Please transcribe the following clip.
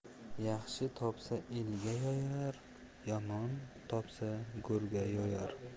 yaxshi topsa elga yoyar yomon topsa go'rga yoyar